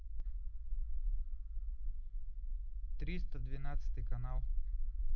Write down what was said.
триста двенадцатый канал